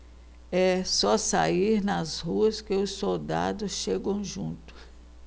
é só sair nas ruas que os soldados chegam junto